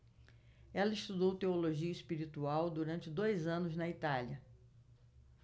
ela estudou teologia espiritual durante dois anos na itália